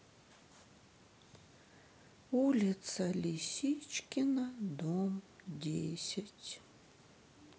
улица лисичкина дом десять